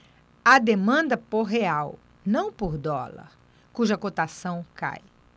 há demanda por real não por dólar cuja cotação cai